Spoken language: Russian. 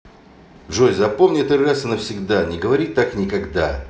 джой запомни этот раз она всегда не говори так никогда